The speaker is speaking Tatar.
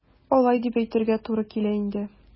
Алай дип әйтергә туры килә инде.